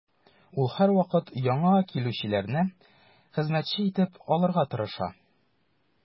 Ул һәрвакыт яңа килүчеләрне хезмәтче итеп алырга тырыша.